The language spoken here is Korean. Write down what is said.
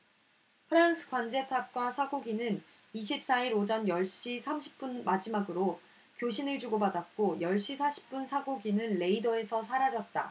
프랑스 관제탑과 사고기는 이십 사 일 오전 열 시 삼십 분 마지막으로 교신을 주고받았고 열 시 사십 분 사고기는 레이더에서 사라졌다